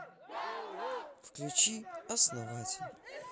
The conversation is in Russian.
включи основатель